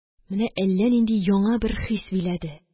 Менә әллә нинди яңы бер хис биләде